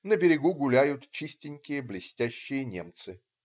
На берегу гуляют чистенькие, блестящие немцы.